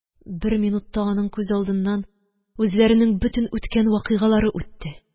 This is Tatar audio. Бер минутта аның күз алдыннан үзләренең бөтен үткән вакыйгалары үтте.